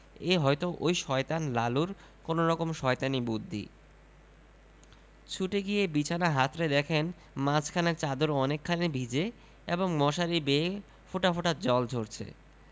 এ হয়ত ঐ শয়তান লালুর কোনরকম শয়তানি বুদ্ধি ছুটে গিয়ে বিছানা হাতড়ে দেখেন মাঝখানে চাদর অনেকখানি ভিজে এবং মশারি বেয়ে ফোঁটা ফোঁটা জল ঝরছে